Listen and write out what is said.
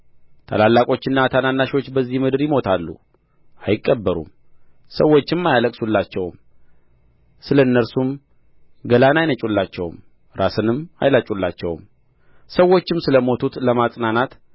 ታላላቆችና ታናናሾች በዚህች ምድር ይሞታሉ አይቀበሩም ሰዎችም አያለቅሱላቸውም ስለ እነርሱም ገላን አይነጩላቸውም ራስንም አይላጩላቸውም ሰዎችም ስለ ሞቱት ለማጽናናት